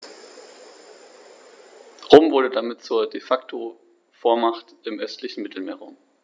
Rom wurde damit zur ‚De-Facto-Vormacht‘ im östlichen Mittelmeerraum.